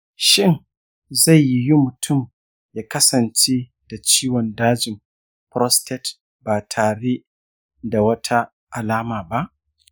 shin zai yiwu mutum ya kasance da ciwon dajin prostate ba tare da wata alama ba?